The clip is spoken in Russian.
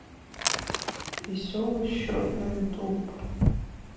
веселый счет на ютуб